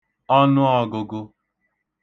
ọnụọ̄gụ̄gụ̄